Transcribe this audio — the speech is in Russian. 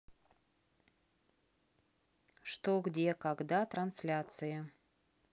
что где когда трансляции